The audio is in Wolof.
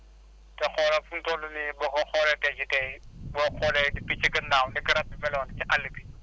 te xoolal fi mu toll nii booko xoolee tey jii tey boo xoolee depuis ci gannaaw ni garab bi meloon ci àll bi